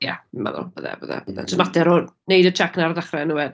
Ie, fi'n meddwl, byddai byddai byddai. Jyst mater o wneud y check 'na ar y dechrau yn dyfe?